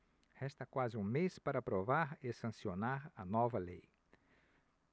resta quase um mês para aprovar e sancionar a nova lei